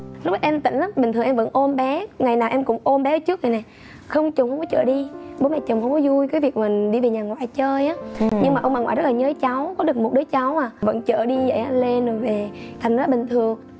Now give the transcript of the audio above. lúc đó em tỉnh lắm bình thường em vẫn ôm bé ngày nào em cũng ôm bé trước dậy nè không chúng chở đi bố mẹ chồng vui vui với việc mình đi về nhà ngoại chơi nhưng mà ông bà ngoại rất là nhớ cháu có được một đứa cháu mà vẫn chở đi lên rồi về thành á bình thường